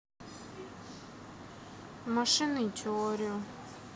машинный теорию